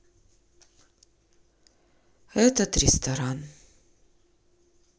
этот ресторан